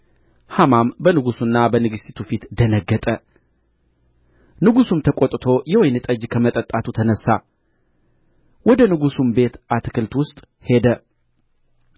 ሐማም በንጉሡና በንግሥቲቱ ፊት ደነገጠ ንጉሡም ተቈጥቶ የወይን ጠጅ ከመጠጣቱ ተነሣ ወደ ንጉሡም ቤት አታክልት ውስጥ ሄደ